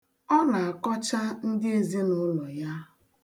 Ọ na-akọcha ndị ezinụụlọ ya.